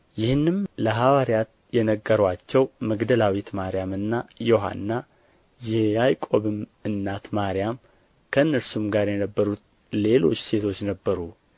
ይህንም ለሐዋርያት የነገሩአቸው መግደላዊት ማርያምና ዮሐና የያዕቆብም እናት ማርያም ከእነርሱም ጋር የነበሩት ሌሎች ሴቶች ነበሩ